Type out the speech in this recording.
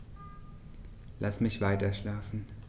Lass mich weiterschlafen.